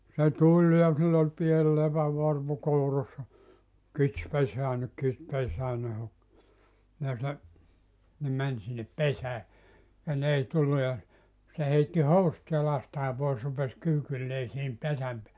se tuli ja sillä oli pieni lepänvarpu kourassa kits pesäänne kit pesäänne hoki ja se ne meni sinne pesään ja ne ei tullut ja se heitti housut jalastaan pois rupesi kyykylleen siihen pesän päälle